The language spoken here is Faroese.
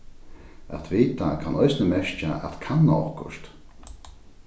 at vita kann eisini merkja at kanna okkurt